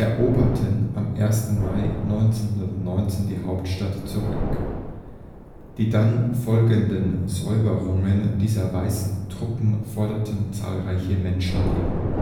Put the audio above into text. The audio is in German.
eroberten am 1. Mai 1919 die Hauptstadt zurück. Die dann folgenden „ Säuberungen “dieser weißen Truppen forderten zahlreiche Menschenleben